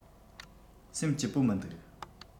སེམས སྐྱིད པོ མི འདུག